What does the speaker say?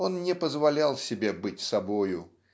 он не позволял себе быть собою.